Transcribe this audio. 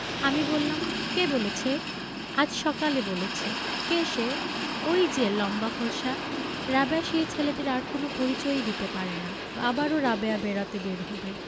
আমি বললাম কে বলেছে আজ সকালে বলেছে কে সে ঐ যে লম্বা ফর্সা রাবেয়া সেই ছেলেটির আর কোন পরিচয়ই দিতে পারে না আবারও রাবেয়া বেড়াতে বেরুবে